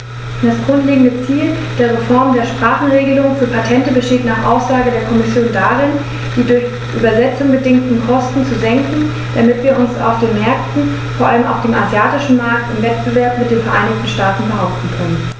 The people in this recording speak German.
Das grundlegende Ziel der Reform der Sprachenregelung für Patente besteht nach Aussage der Kommission darin, die durch Übersetzungen bedingten Kosten zu senken, damit wir uns auf den Märkten, vor allem auf dem asiatischen Markt, im Wettbewerb mit den Vereinigten Staaten behaupten können.